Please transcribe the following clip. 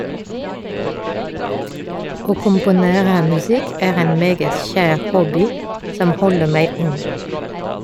- Å komponere musikk er en meget kjær hobby som holder meg ung.